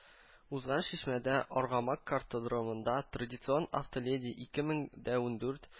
Узган чишмәдә «Аргамак» картодромында традицион “Автоледи-ике мең ундурт”